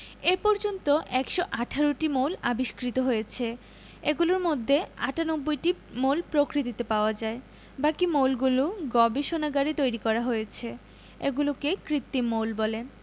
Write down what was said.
এ পর্যন্ত ১১৮টি মৌল আবিষ্কৃত হয়েছে এগুলোর মধ্যে ৯৮টি মৌল প্রকৃতিতে পাওয়া যায় বাকি মৌলগুলো গবেষণাগারে তৈরি করা হয়েছে এগুলোকে কৃত্রিম মৌল বলে